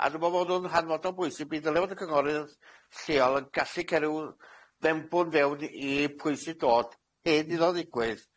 A dw' me'wl bo' nw'n hanfodol bwysig, mi ddylia bod y cynghorydd lleol yn gallu c'el ryw fewnbwn fewn i pwy sy dod cyn iddo fo ddigwydd,